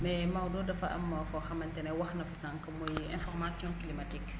mais Maodo dafa am foo xamante ne wax na ko sànq muy information climatique